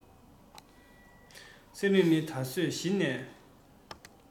ཚེ རིང ནི ད གཟོད གཞི ནས